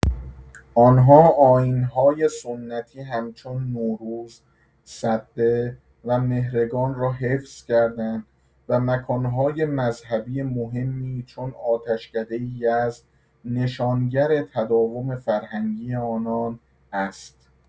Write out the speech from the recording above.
آنها آیین‌های سنتی همچون نوروز، سده و مهرگان را حفظ کرده‌اند و مکان‌های مذهبی مهمی چون آتشکده یزد نشانگر تداوم فرهنگی آنان است.